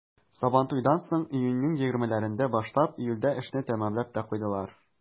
Сабантуйдан соң, июньнең егермеләрендә башлап, июльдә эшне тәмамлап та куйганнар.